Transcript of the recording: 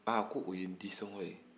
ah ko o ye disɔngɔ ye kɛ